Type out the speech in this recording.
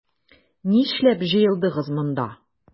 Нишләп җыелдыгыз монда?